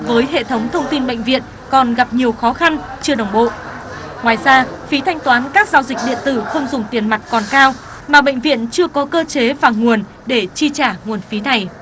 với hệ thống thông tin bệnh viện còn gặp nhiều khó khăn chưa đồng bộ ngoài ra phí thanh toán các giao dịch điện tử không dùng tiền mặt còn cao mà bệnh viện chưa có cơ chế và nguồn để chi trả nguồn phí này